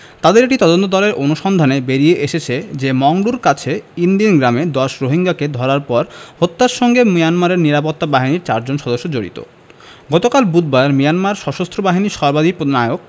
তাদের একটি তদন্তদলের অনুসন্ধানে বেরিয়ে এসেছে যে মংডুর কাছে ইনদিন গ্রামে ১০ রোহিঙ্গাকে ধরার পর হত্যার সঙ্গে মিয়ানমারের নিরাপত্তা বাহিনীর চারজন সদস্য জড়িত গতকাল বুধবার মিয়ানমার সশস্ত্র বাহিনীর সর্বাধিনায়ক